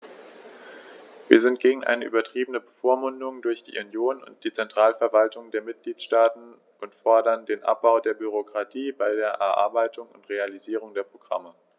Wir sind gegen eine übertriebene Bevormundung durch die Union und die Zentralverwaltungen der Mitgliedstaaten und fordern den Abbau der Bürokratie bei der Erarbeitung und Realisierung der Programme.